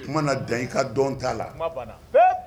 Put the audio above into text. Kumaumana na dan i ka dɔn t'a la